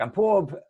gan pob